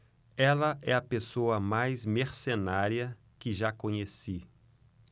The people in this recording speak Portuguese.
ela é a pessoa mais mercenária que já conheci